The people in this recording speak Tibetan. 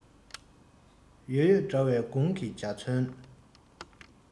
ཡོད ཡོད འདྲ བའི དགུང གི འཇའ ཚོན